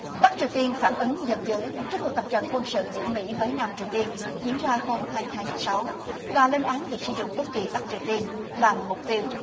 bắc triều tiên phản ứng giận dữ trước cuộc tập trận quân sự giữa mỹ với nam triều tiên diễn ra hôm hai mươi hai tháng sáu và lên án việc sử dụng quốc kỳ bắc triều tiên làm mục tiêu